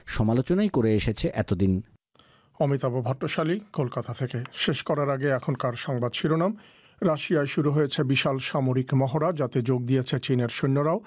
সমালোচনাই করে এসেছে এতদিন অমিতাভ ভট্টশালী কলকাতা থাকে শেষ করার আগে এখনকার মতো সংবাদ রাশিয়ায় শুরু হয়েছে বিশাল সামরিক মহড়া যাতে যোগ দিয়েছে চীনের সৈন্যরাও